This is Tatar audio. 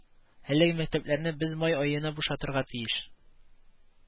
Әлеге мәктәпләрне без май аена бушатырга тиеш